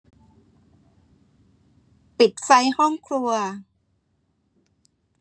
ปิดไฟห้องครัว